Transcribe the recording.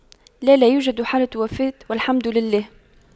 لا لا يوجد حالة وفاة والحمد لله